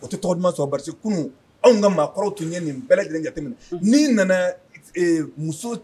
O tɛ tɔgɔ sɔn basi kunun anw ka maa kɔrɔw tun ye nin bɛɛ lajɛlen ka tɛmɛ' nana muso